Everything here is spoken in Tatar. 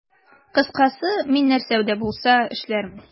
Кыскасы, мин нәрсә дә булса эшләрмен.